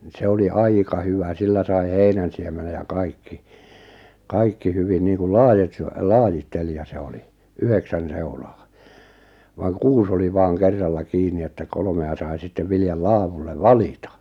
no se oli aika hyvä sillä sai heinänsiemenen ja kaikki kaikki hyvin niin kuin - se lajittelija se oli yhdeksän seulaa vaan kuusi oli vain kerralla kiinni että kolmea sai sitten viljan laadulle valita